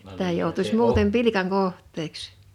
sitä joutuisi muuten pilkan kohteeksi